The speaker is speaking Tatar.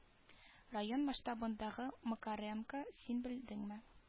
Район масштабындагы макаренко син белдеңме